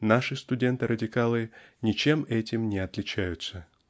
Наши студенты-радикалы ничем этим не отличаются.